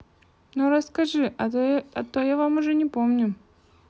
ну расскажи а то я вам уже не помню